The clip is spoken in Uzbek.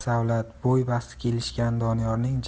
sersavlat bo'y basti kelishgan doniyorning